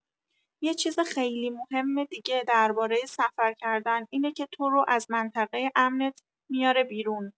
یه چیز خیلی مهم دیگه درباره سفر کردن اینه که تو رو از منطقه امنت میاره بیرون.